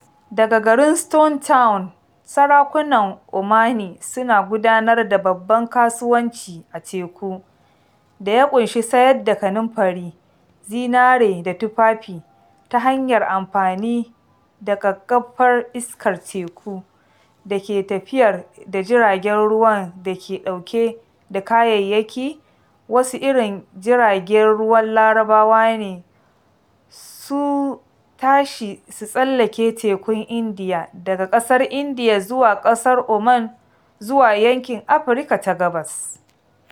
Daga garin Stone Town, sarakunan Omani suna gudanar da babban kasuwanci a teku da ya ƙunshi sayar da kanunfari, zinare da tufafi ta hanyar amfani da ƙaƙƙarfar iskar teku da ke tafiyar da jiragen ruwan da ke ɗauke da kayayyaki - wasu irin jiragen ruwan Larabawa ne - su tashi su tsallaka Tekun Indiya daga ƙasar Indiya zuwa ƙasar Oman zuwa yankin Afirka ta Gabas.